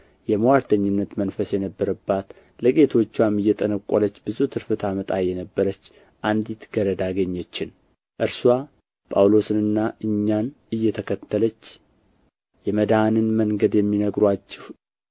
የምዋርተኝነት መንፈስ የነበረባት ለጌቶችዋም እየጠነቈለች ብዙ ትርፍ ታመጣ የነበረች አንዲት ገረድ አገኘችን እርስዋ ጳውሎስንና እኛን እየተከተለች የመዳንን መንገድ የሚነግሩአችሁ